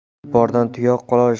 tulpordan tuyoq qolar